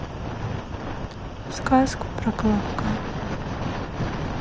сказку про колобка